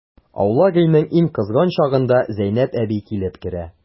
Аулак өйнең иң кызган чагында Зәйнәп әби килеп керә.